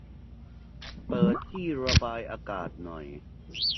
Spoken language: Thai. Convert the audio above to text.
เปิดที่ระบายอากาศหน่อย